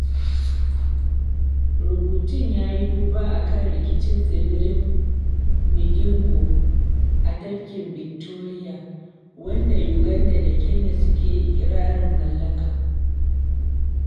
Rubutun ya yi duba a kan rikicin tsibirin Migingo a tafkin Vvictoria, wanda Uganda da Kenya suke iƙirarin mallaka.